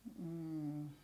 mm